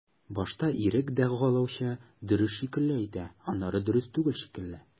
Башта ирек дәгъвалауны дөрес шикелле әйтә, аннары дөрес түгел шикелле.